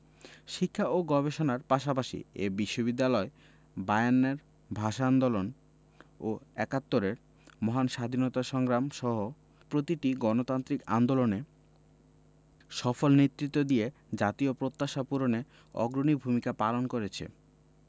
শিক্ষা ও গবেষণার পাশাপাশি এ বিশ্ববিদ্যালয় বায়ান্নর ভাষা আন্দোলন ও একাত্তরের মহান স্বাধীনতা সংগ্রাম সহ প্রতিটি গণতান্ত্রিক আন্দোলনে সফল নেতৃত্ব দিয়ে জাতীয় প্রত্যাশা পূরণে অগ্রণী ভূমিকা পালন করেছে